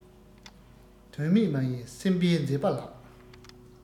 དོན མེད མ ཡིན སེམས དཔའི མཛད པ ལགས